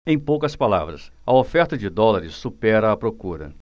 em poucas palavras a oferta de dólares supera a procura